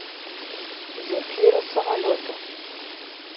земфира самолеты